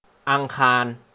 อังคาร